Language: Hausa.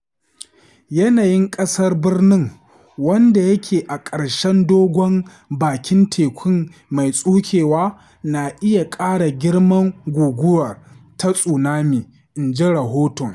Yanayin ƙasar birnin, wanda yake a ƙarshen dogon, bakin teku mai tsukewa, na iya ƙara girman guguwar ta tsunami, in ji rahoton.